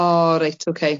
O reit, ok.